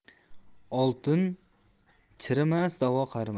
oltin chirimas da'vo qarimas